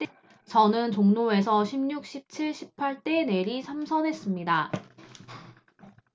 저는 종로에서 십 육 십 칠 십 팔 대 내리 삼선했습니다